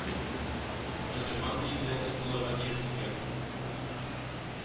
Мөселман өендә эт булырга тиеш түгел